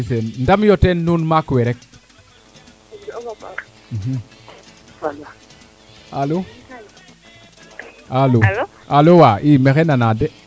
walay Sene ndam yo teen nuun maak we rek alo wa i maxey nana de